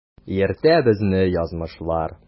Йөртә безне язмышлар.